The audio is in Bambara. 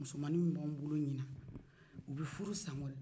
musomani minnu b'an bolo ɲina o bɛ furu san wɛrɛ